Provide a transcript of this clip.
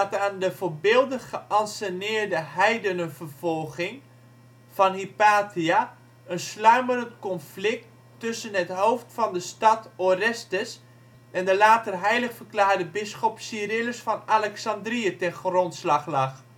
aan de voorbeeldig geënsceneerde heidenenvervolging van Hypatia een sluimerend conflict tussen het hoofd van de stad Orestes en de later heilig verklaarde bisschop Cyrillus van Alexandrië ten grondslag lag